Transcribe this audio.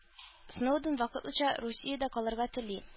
Сноуден вакытлыча Русиядә калырга тели